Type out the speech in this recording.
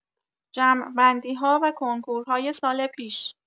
جمع بندی‌ها و کنکورهای سال پیش